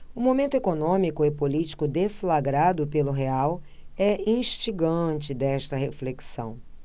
o momento econômico e político deflagrado pelo real é instigante desta reflexão